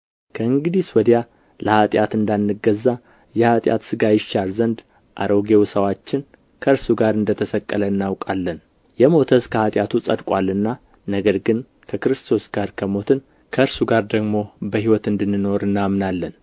ከእንግዲህስ ወዲያ ለኃጢአት እንዳንገዛ የኃጢአት ሥጋ ይሻር ዘንድ አሮጌው ሰዋችን ከእርሱ ጋር እንደ ተሰቀለ እናውቃለን የሞተስ ከኃጢአቱ ጸድቋልና ነገር ግን ከክርስቶስ ጋር ከሞትን ከእርሱ ጋር ደግሞ በሕይወት እንድንኖር እናምናለን